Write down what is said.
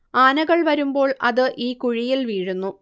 ആനകൾ വരുമ്പോൾ അത് ഈ കുഴിയിൽ വീഴുന്നു